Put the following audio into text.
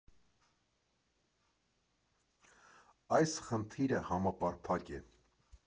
Այս խնդիրը համապարփակ է։